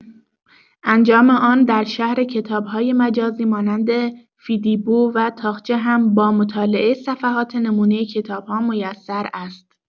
انجام آن در شهر کتاب‌های مجازی مانند فیدیبو و طاقچه هم با مطالعه صفحات نمونۀ کتاب‌ها میسر است.